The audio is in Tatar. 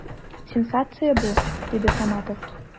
Сенсация бу! - диде Саматов.